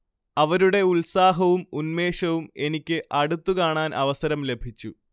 അവരുടെ ഉത്സാഹവും ഉന്മേഷവും എനിക്ക് അടുത്തു കാണാൻ അവസരം ലഭിച്ചു